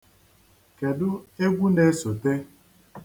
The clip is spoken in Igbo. Kedụ egwu na-esote?